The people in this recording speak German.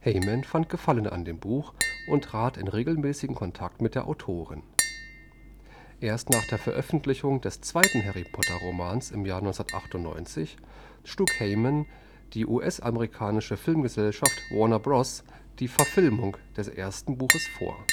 Heyman fand Gefallen an dem Buch und trat in regelmäßigen Kontakt mit der Autorin. Erst nach der Veröffentlichung des zweiten Harry-Potter-Romans im Juli 1998 schlug Heyman der US-amerikanischen Filmgesellschaft Warner Bros. die Verfilmung des ersten Buches vor